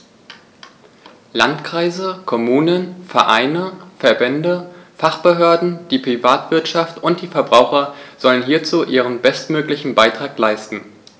Landkreise, Kommunen, Vereine, Verbände, Fachbehörden, die Privatwirtschaft und die Verbraucher sollen hierzu ihren bestmöglichen Beitrag leisten.